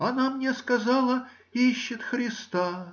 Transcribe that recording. Она мне сказала: ищет Христа.